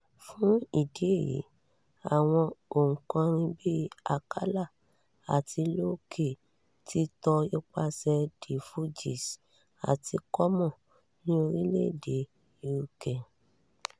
Fún ìdí èyí, àwọn òǹkọrin bíi Akala àti Lowkey ti tọ ipàsẹ̀ The Fugees àti Common ní orílẹ̀-èdè UK.